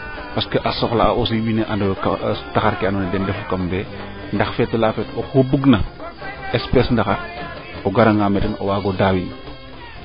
parce que a soxla aussi wiin we andoyo taxar ke ando naye den ndef kam fee ndax feetola feet oxu bugna espece ;fra ndaxar o garnga mee ten o waago daawin